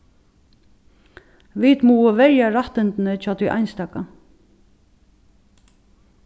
vit mugu verja rættindini hjá tí einstaka